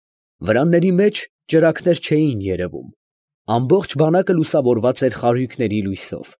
Վրանների մեջ ճրագներ չէին երևում, ամբողջ բանակը լուսավորված էր խարույկների լույսով։